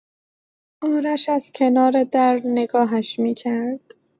آرش از کنار در نگاهش می‌کرد.